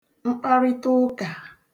mkparịtụụkà